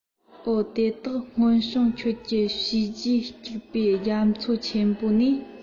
འོ དེ དག སྔོན བྱུང ཁྱོད ཀྱི བྱས རྗེས སྐྱུག པའི རྒྱ མཚོ ཆེན པོ ནས